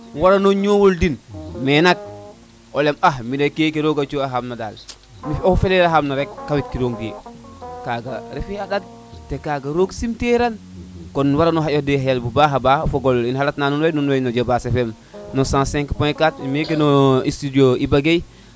wala no ñowol din mais nak o lem ah mi de ken roga coda xama daal xu felera xama dal kawit kiro te kaga refe a ndat to kaga roog sim teran kon i waro no xaƴa xel a bu baxa bax fogole im xalat na nuun rek nuun way no débat Cfm no 105 point 4 meke no studio Iba gueye